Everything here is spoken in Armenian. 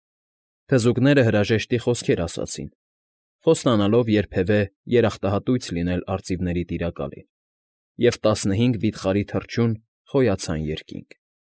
Թզուկները հրաժեշտի խոսքեր ասացին, խոստանալով երբևէ երախտահատույց լինել արծիների Տիրակալին, և տասնհինգ վիթխարի թռչուն խոյացան երկինք։